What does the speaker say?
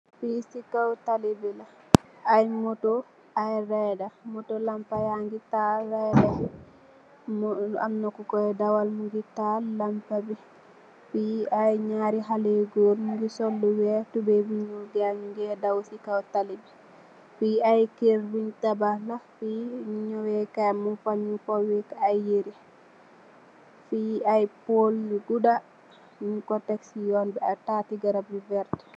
Li si kaw talibi la , ay motor, ay rider , motor lampa yangi tahal . Rider bi amna kukoy dawal mungi tahal lampa bi , yi ay nyari halleh yu goor nyu ngi sol lu weh tubay bu nyul , gayi nyungeh daw si kaw talibi ,yi ay kerr bunge tabakh la ,yi nyaweh kay mungfa nyungfa wait ay yirreh , yi ay poal yu guda nyungko tek si yon bi ,ak tati garab .